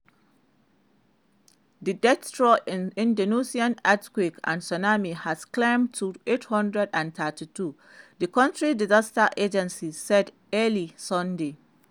The death toll in Indonesia's earthquake and tsunami has climbed to 832, the country's disaster agency said early Sunday.